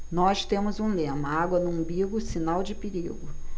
nós temos um lema água no umbigo sinal de perigo